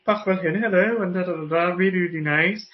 bach fel hyn heddiw yn dy dy dy dy da rili rili neis.